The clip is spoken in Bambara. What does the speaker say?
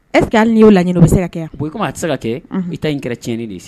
Ɛssekeki n' y'o laɲini u bɛ se ka kɛ o i ko a bɛ se ka kɛ i taa in kɛra tiɲɛn de ye